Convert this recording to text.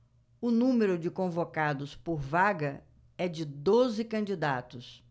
o número de convocados por vaga é de doze candidatos